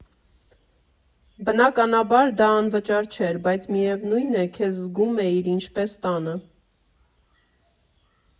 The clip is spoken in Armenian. Բնականաբար դա անվճար չէր, բայց, միևնույն է, քեզ զգում էիր ինչպես տանը։